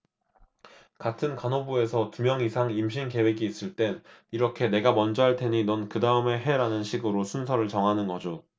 같은 간호부에서 두 명 이상 임신 계획이 있을 땐 이렇게 내가 먼저 할 테니 넌 그다음에 해라는 식으로 순서를 정하는 거죠